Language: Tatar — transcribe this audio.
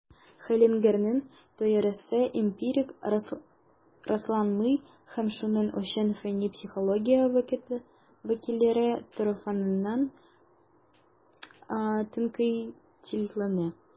Хеллингерның теориясе эмпирик расланмый, һәм шуның өчен фәнни психология вәкилләре тарафыннан тәнкыйтьләнә.